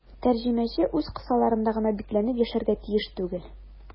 Тәрҗемәче үз кысаларында гына бикләнеп яшәргә тиеш түгел.